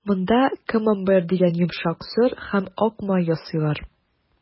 Монда «Камамбер» дигән йомшак сыр һәм ак май ясыйлар.